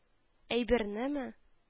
Әйбернеме